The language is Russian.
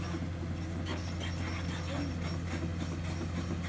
темный мир